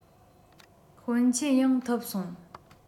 དཔོན ཆེན ཡང ཐུབ སོང